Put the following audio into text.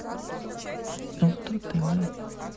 авто тв